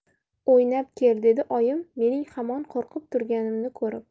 o'ynab kel dedi oyim mening hamon qo'rqib turganimni ko'rib